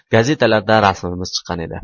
gazetalarda rasmimiz chiqqan edi